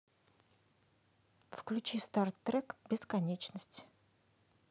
включи стар трек бесконечность